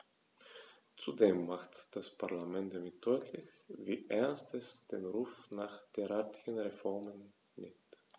Zudem macht das Parlament damit deutlich, wie ernst es den Ruf nach derartigen Reformen nimmt.